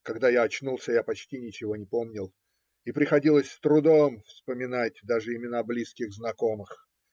Когда я очнулся, я почти ничего не помнил, и приходилось с трудом вспоминать даже имена близких знакомых.